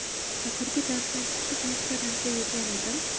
oxirgi darsdan chiqib yuz qadamcha yurgan edim